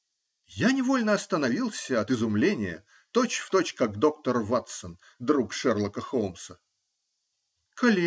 Я невольно остановился от изумления, точь-в-точь как доктор Ватсон, друг Шерлока Холмса. -- Колени?